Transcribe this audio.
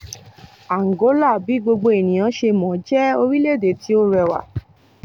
Angola, bí gbogbo ènìyàn ṣe mọ̀, jẹ́ orílẹ̀-èdè tí ó rẹwà.